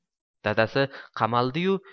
dadasi qamaldi yu